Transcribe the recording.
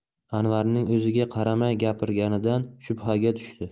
anvarning o'ziga qaramay gapirganidan shubhaga tushdi